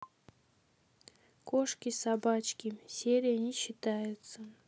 кошки собачки серия не считается